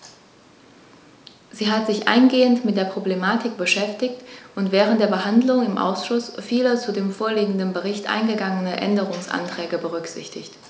Sie hat sich eingehend mit der Problematik beschäftigt und während der Behandlung im Ausschuss viele zu dem vorliegenden Bericht eingegangene Änderungsanträge berücksichtigt.